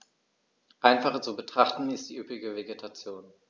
Einfacher zu betrachten ist die üppige Vegetation.